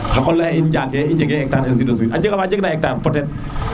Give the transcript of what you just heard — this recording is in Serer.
xa qola xe in njake i njege hectar ainsi de suite a jega wa njeg na hectar peut etre